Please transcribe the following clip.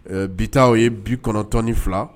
Ɛɛ bi ta o ye bi 92